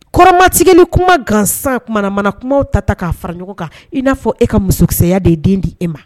Kɔrɔmatigɛ kuma gansan, manamana kuma ta ta k'a fara ɲɔgɔn kan. I n'a fɔ e ka musokisɛya de ye den di e ma.